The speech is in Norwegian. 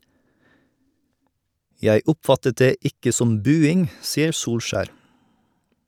Jeg oppfattet det ikke som buing, sier Solskjær.